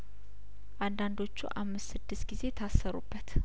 አንዳንዶቹ አምስት ስድስት ጊዜ ታሰሩበት